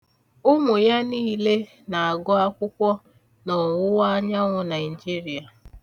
Ụmụ ya niile na-agụ akwụkwọ n'ọwụwaanyanwụ Naịjirịa.